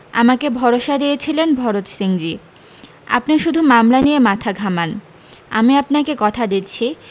আমাকে ভরসা দিয়েছিলেন ভরত সিংজী আপনি শুধু মামলা নিয়ে মাথা ঘামান আমি আপনাকে কথা দিচ্ছি